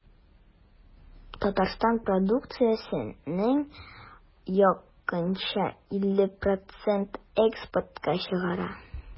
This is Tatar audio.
Татарстан продукциясенең якынча 50 процентын экспортка чыгара.